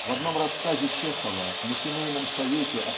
В одном рассказе Чехова на семейном совете